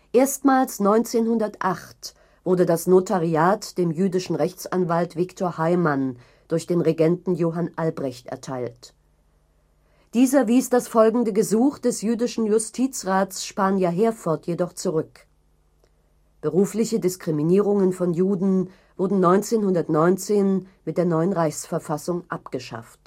Erstmals 1908 wurde das Notariat dem jüdischen Rechtsanwalt Victor Heymann durch den Regenten Johann Albrecht erteilt. Dieser wies das folgende Gesuch des jüdischen Justizrats Spanjer-Herford jedoch zurück. Berufliche Diskriminierungen von Juden wurden 1919 mit der neuen Reichsverfassung abgeschafft